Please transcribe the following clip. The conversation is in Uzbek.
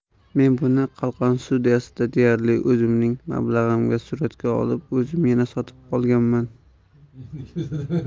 men buni 'qalqon' studiyasida deyarli o'zimning mablag'imga suratga olib o'zim yana sotib olganman